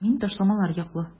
Мин ташламалар яклы.